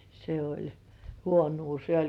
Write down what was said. se oli huonoa se oli